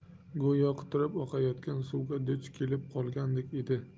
go'yo quturib oqayotgan suvga duch kelib qolgandek edi